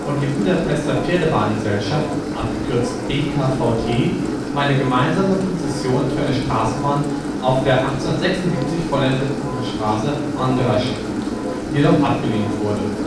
die Budapester Pferdebahngesellschaft (abgekürzt BKVT) um eine gemeinsame Konzession für eine Straßenbahn auf der 1876 vollendeten Straße Andrassy út, die jedoch abgelehnt wurde